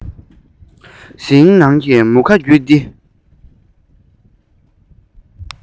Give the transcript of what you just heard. ཞིང ནང གི མུ ཁ བརྒྱུད དེ